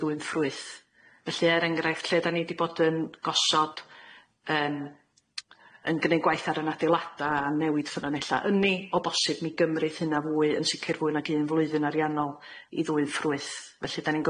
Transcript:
ddwyn ffrwyth felly er enghraifft lle dan ni di bod yn gosod yym yn gneud gwaith ar yn adeilada a newid ffynonella ynni o bosib mi gymrith hynna fwy yn sicir fwy nag un flwyddyn ariannol i ddwyn ffrwyth felly dan ni'n